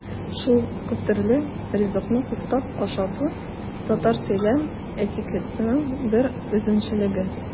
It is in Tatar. Шул күптөрле ризыкны кыстап ашату татар сөйләм этикетының бер үзенчәлеге.